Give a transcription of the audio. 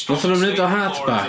Wnaethon nhw'm wneud o'n hardback?